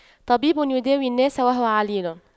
طبيب يداوي الناس وهو عليل